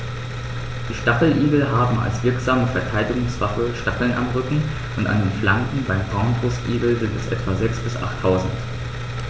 Die Stacheligel haben als wirksame Verteidigungswaffe Stacheln am Rücken und an den Flanken (beim Braunbrustigel sind es etwa sechs- bis achttausend).